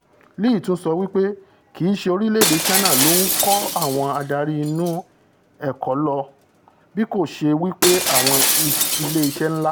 Lee tun so wí pé ''Kì í ṣe orílẹ̀-èdè Ṣáínà ló ńkó àwọn adarí nínú ẹ̀kọ́ lọ; bíkoṣe wí pé àwọn ilé iṣẹ́ ńlá''.